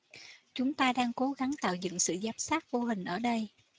chúng ta đang cố gắng tạo dựng sự giám sát vô hình ở đây